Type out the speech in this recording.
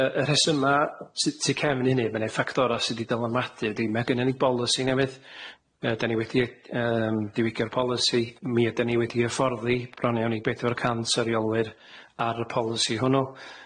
yy y rhesyma sy- sy tu cefn hynny ma' neud ffactora sy' di dylanwadu ydi ma' gynnon ni bolisi newydd yy dan ni wedi yy yym diwygio'r polisi mi ydan ni wedi hyfforddi bron iawn i bedwar cant o reolwyr ar y polisi hwnnw.